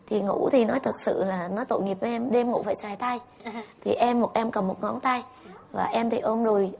thì ngủ thì nói thực sự là nói tội nghiệp em đêm ngủ phải sải tay thì em một em cầm một ngón tay và em thì ôm đùi